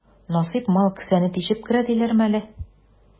Насыйп мал кесәне тишеп керә диләрме әле?